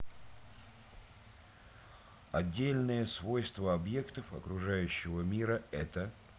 отдельные свойства объектов окружающего мира это